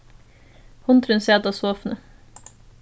hundurin sat á sofuni